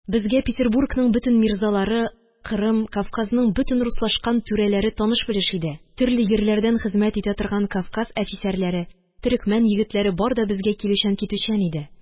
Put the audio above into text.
Безгә Петербургның бөтен мирзалары, Кырым, Кавказның бөтен руслашкан түрәләре таныш-белеш иде. Төрле йирләрдә хезмәт итә торган Кавказ әфисәрләре, төрекмән егетләре бар да безгә килүчән-китүчән иде.